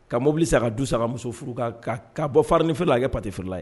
Ka mobili sa ka du saba muso furu kan ka ka bɔ fari nifla a kɛ patiferela ye